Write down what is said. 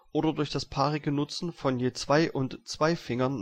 oder durch das paarige Nutzen von je zwei und zwei Fingern